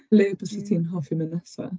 Le byset... mm ...ti'n hoffi mynd nesa?